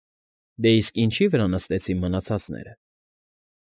Դե, իսկ ինչի՞ վրա նստեցին մնացածները։